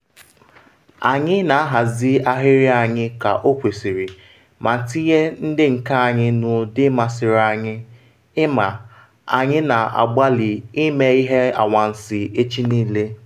Anyị na-ahazi ahịrị anyị ka ọ kwesịrị ma tinye ndị nke anyị n’ụdị masịrị anyị, ịma, anyị na-agbalị ime ihe anwansi echi niile.”